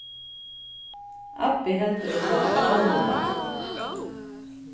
abbi heldur uppá at hann hevur rætt